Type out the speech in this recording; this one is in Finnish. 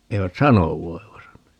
eivät sano voivansa